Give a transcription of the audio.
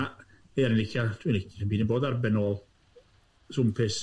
A ie o'n i'n licio, dwi'n licio, dim byd yn bod ar ben ôl, swmpus.